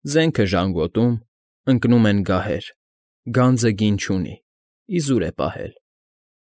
Զենքը ժանգոտում, Ընկնում են գահեր, Գանձը գին չունի, Իզուր է պահել։